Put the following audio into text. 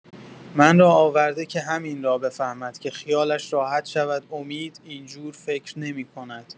من را آورده که همین را بفهمد که خیالش راحت شود امید این‌جور فکر نمی‌کند.